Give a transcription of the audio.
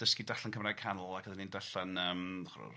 ...dysgu darllen Cymraeg Canol ac oedden ni'n darllen yym 'dachi'bod yr